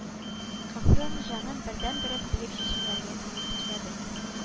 Кызым җаным бердәнберем диеп чәчкәләргә мине тиңләдең